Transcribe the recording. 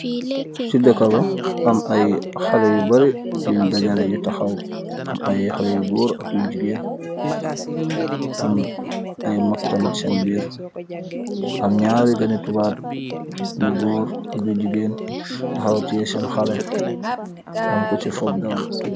Si dëkka ba am ay xale yu bare yuñ dajale yu taxaw, am ay xale yu góor ak yu jigeen, am ay mag tamit seen biir, am ñaari gani tubaab yu góor ak yu jigeen taxaw tiyee seen xale, am ko ci fob doom.